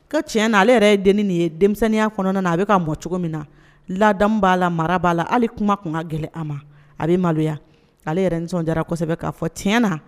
Ka ti na ale yɛrɛ ye den nin ye denmisɛnninya fana na a bɛ ka bɔ cogo min na la b'a la mara b'a la hali kuma tun ka gɛlɛn a ma a bɛ maloya ale yɛrɛ nisɔn jarasɛbɛ k'a fɔ tiɲɛna